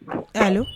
Kalo